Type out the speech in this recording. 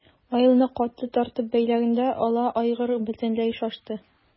Аелны каты тартып бәйләгәндә ала айгыр бөтенләй шашты.